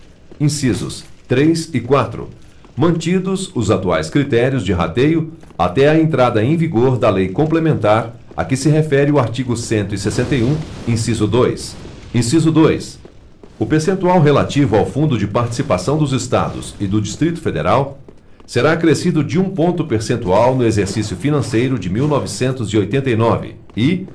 incisos três e quatro mantidos os atuais critérios de rateio até a entrada em vigor da lei complementar a que se refere o artigo cento e sessenta e um inciso dois inciso dois o percentual relativo ao fundo de participação dos estados e do distrito federal será acrescido de um ponto percentual no exercício financeiro de mil e novecentos e oitenta e nove e